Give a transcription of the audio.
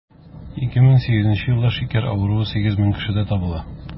2008 елда шикәр авыруы 8 мең кешедә табыла.